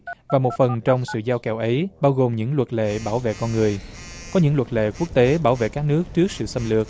và một phần trong sự giao kèo ấy bao gồm những luật lệ bảo vệ con người có những luật lệ quốc tế bảo vệ các nước trước sự xâm lược